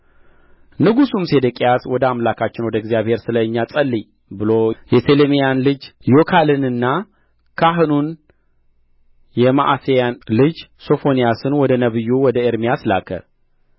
ንጉሡም ሴዴቅያስ ወደ አምላካችን ወደ እግዚአብሔር ስለ እኛ ጸልይ ብሎ የሰሌምያን ልጅ ዮካልንና ካህኑን የመዕሤያን ልጅ ሶፎንያስን ወደ ነቢዩ ወደ ኤርምያስ ላከ